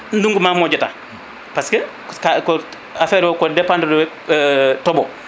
ndungu ma moƴƴata pasque affaire o ko dépendre tooɓo